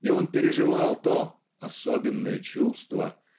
и он переживал то "особенное чувство"